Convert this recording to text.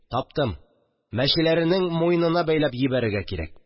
Таптым, мәчеләренең муенына бәйләп җибәрергә кирәк